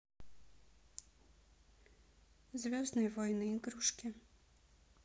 звездные войны игрушки